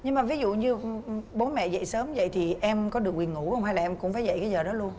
nhưng mà ví dụ như bố mẹ dậy sớm dậy thì em có được quyền ngủ hông hay em cũng phải dậy cái giờ đó luôn